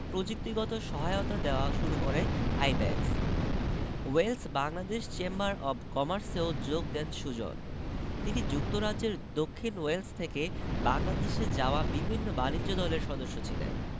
প্রযুক্তিগত সহায়তা দেওয়া শুরু করে IBACS Wales Bangladesh chamber of কমার্সেও যোগ দেন সুজন তিনি যুক্তরাজ্যের দক্ষিণ ওয়েলস থেকে বাংলাদেশে যাওয়া বিভিন্ন বাণিজ্য দলের সদস্য ছিলেন